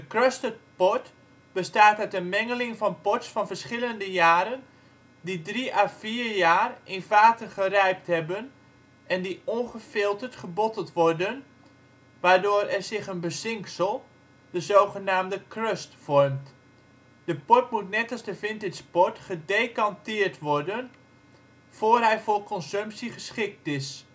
Crusted Port bestaat uit een mengeling van ports van verschillende jaren die 3 à 4 jaar in vaten gerijpt hebben en die ongefilterd gebotteld worden waardoor er zich een bezinksel, de zogenaamde crust, vormt. De port moet net als de vintage port gedecanteerd worden voor hij voor consumptie geschikt is